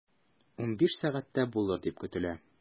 15.00 сәгатьтә булыр дип көтелә.